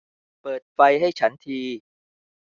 เปิดไฟให้ฉันที